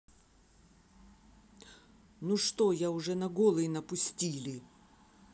ну что я уже на голый напустили